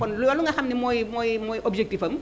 kon loolu nga xam ne mooy mooy mooy objectif am